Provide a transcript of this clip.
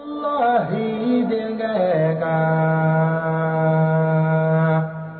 Sanr den ka kɛ ka